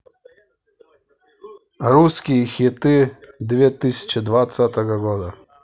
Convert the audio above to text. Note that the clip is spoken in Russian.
русские хиты две тысячи двадцатого года